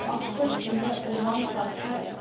Аккош күле урман паркы